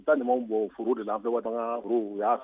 U ka bɔ foro de la a bɛ ka taaga'a